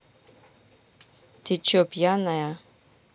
ты че пьяная